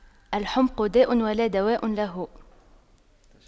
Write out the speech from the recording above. الحُمْقُ داء ولا دواء له